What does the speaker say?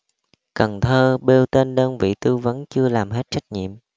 cần thơ bêu tên đơn vị tư vấn chưa làm hết trách nhiệm